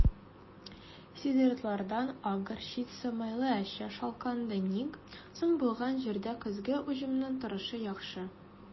Сидератлардан (ак горчица, майлы әче шалкан, донник) соң булган җирдә көзге уҗымның торышы яхшы.